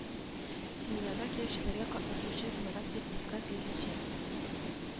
Семинарга килүчеләргә катнашучы буларак сертификат биреләчәк